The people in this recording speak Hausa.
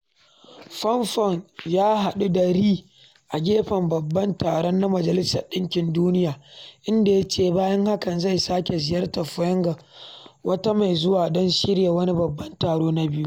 Pompeo ya haɗu da Ri a gefen Babban Taro na Majalisar Ɗinkin Duniya inda ya ce bayan hakan zai sake ziyartar Pyongyang wata mai zuwa don shirya wani babban taro na biyu.